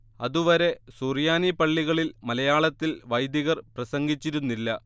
അതുവരെ സുറിയാനി പള്ളികളിൽ മലയാളത്തിൽ വൈദികർ പ്രസംഗിച്ചിരുന്നില്ല